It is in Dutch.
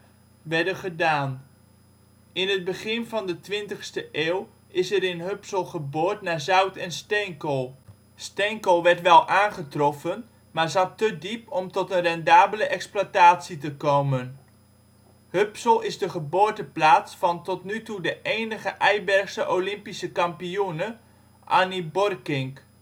werden gedaan. In het begin van de 20e eeuw is er in Hupsel geboord naar zout en steenkool. Steenkool werd wel aangetroffen maar zat te diep om tot een rendabele exploitatie te komen. Hupsel is de geboorteplaats van tot nu toe de enige Eibergse Olympische kampioene Annie Borckink